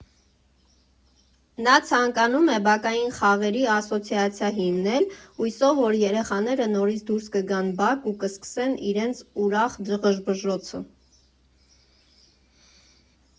Նա ցանկանում է բակային խաղերի ասոցիացիա հիմնել՝ հույսով, որ երեխաները նորից դուրս կգան բակ ու կսկսեն իրենց ուրախ ղժբժոցը։